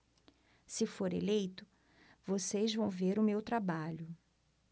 se for eleito vocês vão ver o meu trabalho